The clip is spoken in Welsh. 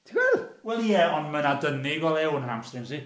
Ti'n gweld?... Wel ie, ond mae 'na dynnu go lew yn y'n hamstrings i.